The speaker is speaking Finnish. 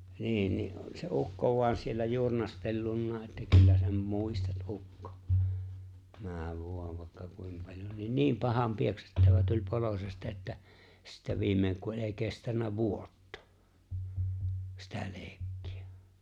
niin niin se ukko vain siellä jurnastellutkin että kyllä sen muistat ukko meni vain vaikka kuinka paljon niin niin pahanpieksettävä tuli poloisesta että sitten viimein kuoli ei kestänyt vuotta sitä leikkiä